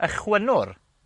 Y chwynwr.